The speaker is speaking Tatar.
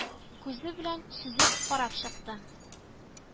Күзе белән сөзеп карап чыкты